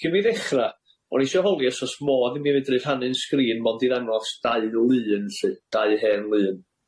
Cyn i fi ddechra, o'n i isio holi os o's modd i mi fedru rhannu'n sgrin, mond i ddangos dau lun lly, dau hen lun.